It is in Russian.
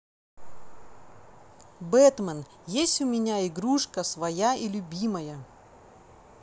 batman есть у меня игрушка своя и любимая